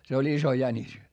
se oli iso jänis